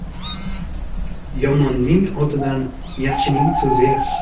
yomonning otidan yaxshining so'zi yaxshi